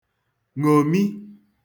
ṅòmi